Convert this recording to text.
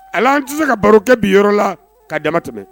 Hal'an tɛ se ka baro kɛ bi yɔrɔ la k'a dama tɛmɛ